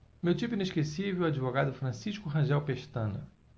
meu tipo inesquecível é o advogado francisco rangel pestana